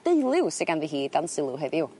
deuliw sy ganddi hi dan sylw heddiw.